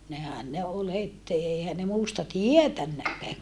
nehän ne oli heti eihän ne muusta tietänytkään